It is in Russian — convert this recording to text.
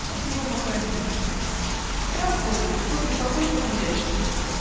"А где его похоронили?" -- "За околицей, подле покойной хозяйки его".